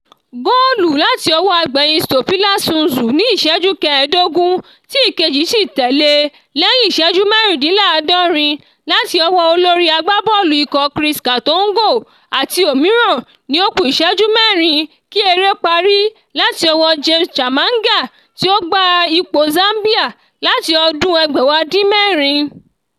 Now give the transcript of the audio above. Góòlù láti ọwọ́ agbéyìn Stopilla Sunzu ni ìṣẹ́jú kẹẹ̀dógún, tí ìkejì sì tẹ̀lé e ní lẹ́yìn ìṣẹ́jú mẹ́rìndínláàdọ́rin láti ọwọ́ olorí agbábọ́ọ̀lù ikọ̀ Chris Katongo àti òmíràn ní ó kú ìṣẹ́jú mẹ́rin kí eré parí láti ọwọ́ James Chamanga, tí ó gba ipò Zambia láti ọdún 1996.